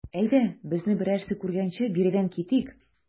Әйдә, безне берәрсе күргәнче биредән китик.